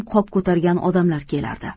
qop ko'targan odamlar kelardi